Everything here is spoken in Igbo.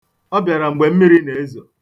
Ọ bịara mgbe mmiri na-ezo.